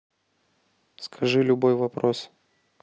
скажите любой вопрос